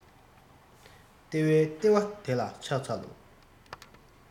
ལྟེ བའི ལྟེ བ དེ ལ ཕྱག འཚལ ལོ